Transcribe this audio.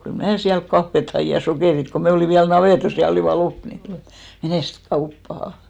kyllä minä sieltä kahvia hain ja sokerit kun me olimme vielä navetassa ja olivat loppu niin menes kauppaan